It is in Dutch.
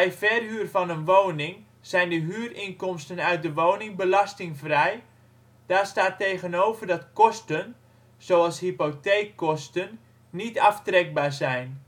verhuur van een woning zijn de huurinkomsten uit de woning belastingvrij, daar staat tegenover dat kosten (zoals hypotheekkosten) niet aftrekbaar zijn